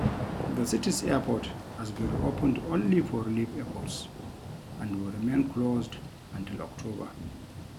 The city's airport has been reopened only for relief efforts and will remain closed until Oct.